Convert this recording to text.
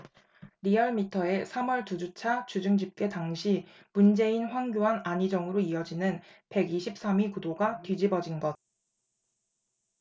리얼미터의 삼 월 두 주차 주중집계 당시 문재인 황교안 안희정으로 이어지는 백 이십 삼 위 구도가 뒤집어진 것